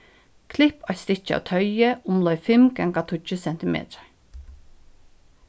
klipp eitt stykki av toyi umleið fimm ganga tíggju sentimetrar